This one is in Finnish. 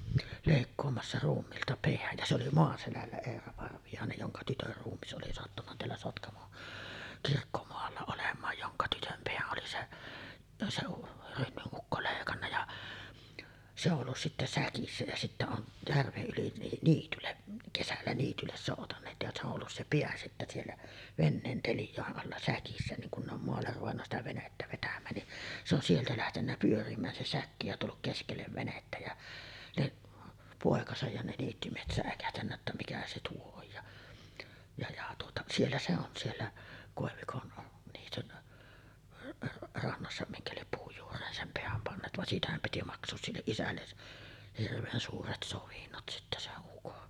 leikkaamassa ruumiilta pään ja se oli Maaselällä Eera Parviainen jonka tytön ruumis oli sattunut täällä Sotkamon kirkkomaalla olemaan jonka tytön pään oli se se Rönnyn ukko leikannut ja se ollut sitten säkissä ja sitten on järven yli - niitylle kesällä niitylle soutaneet ja se on ollut se pää sitten siellä veneen teljojen alla säkissä niin kun ne on maalle ruvennut sitä venettä vetämään niin se on sieltä lähtenyt pyörimään se säkki ja tullut keskelle venettä ja niin poikansa ja ne niittymiehet säikähtänyt että mikä se tuo on ja ja ja tuota siellä se on siellä koivikon niityn rannassa minkä lie puun juureen sen pään panneet vaan siitähän piti maksaa sille isälle hirveän suuret sovinnot sitten sen ukon